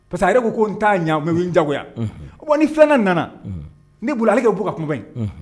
Pa que yɛrɛ ko n' ɲa mɛ jagoya ni fɛn nana ne boli ale bɛ bɔ ka kumaba